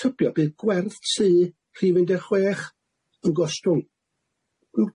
tybio bydd gwerth su rhif un deg chwech yn gostwng.